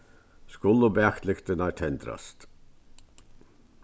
skulu baklyktirnar tendrast